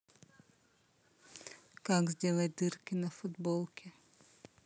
как сделать дырки на футболке